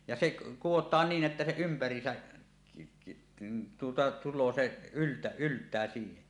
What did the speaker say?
ja se kudotaan niin että se ympäriinsä tuota tulee se - yltää siihen